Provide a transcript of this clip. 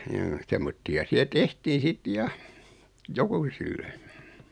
joo semmoisia siellä tehtiin sitten ja jokusille